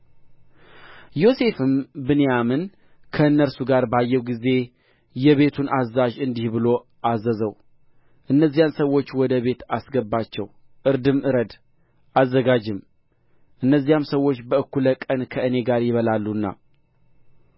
ዮሴፍም ብንያምን ከእነርሱ ጋር ባየው ጊዜ የቤቱን አዛዥ እንዲህ ብሎ አዘዘው እነዚያን ሰዎች ወደ ቤት አስገባቸው እርድም እረድ አዘጋጅም እነዚያ ሰዎች በእኩለ ቀን ከእኔ ጋር ይበላሉና